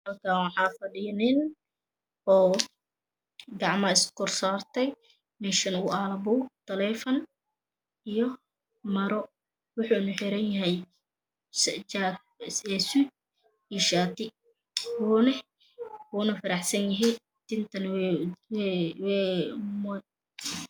Halkaani waxaa fadhiyo nin oo gacmaha iskarsaarti meeshaan u Aalo buug, taleefan iyo maro wuxuuna xeran yahay se.ja suud iyo shaati wuuna faraxsan yahay tintana wey wey wey ..